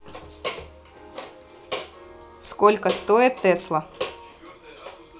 сколько стоит тесла